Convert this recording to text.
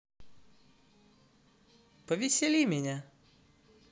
повесели меня